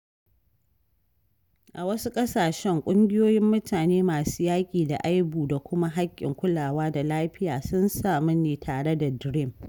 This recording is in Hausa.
A wasu ƙasashen, ƙungiyoyin mutane masu yaƙi da aibu da kuma haƙƙin kulawa da lafiya sun samu ne tare da DREAM.